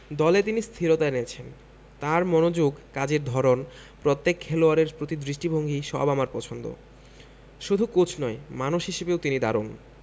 দলে তিনি স্থিরতা এনেছেন তাঁর মনোযোগ কাজের ধরন প্রত্যেক খেলোয়াড়ের প্রতি দৃষ্টিভঙ্গি সব আমার পছন্দ শুধু কোচ নয় মানুষ হিসেবেও তিনি দারুণ